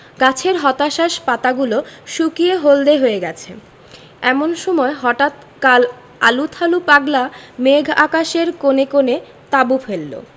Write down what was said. গাছের হতাশ্বাস পাতাগুলো শুকিয়ে হলদে হয়ে গেছে এমন সময় হঠাৎ কাল আলুথালু পাগলা মেঘ আকাশের কোণে কোণে তাঁবু ফেললো